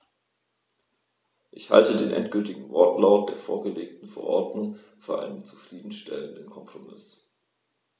Ich halte den endgültigen Wortlaut der vorgelegten Verordnung für einen zufrieden stellenden Kompromiss.